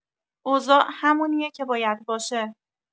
اوضاع همونیه که باید باشه.